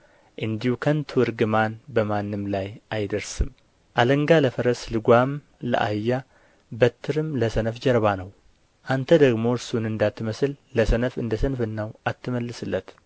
እንዲሁ ከንቱ እርግማን በማንም ላይ አይደርስም አለንጋ ለፈረስ ልጓም ለአህያ በትርም ለሰነፍ ጀርባ ነው አንተ ደግሞ እርሱን እንዳትመስል ለሰነፍ እንደ ስንፍናው አትመልስለት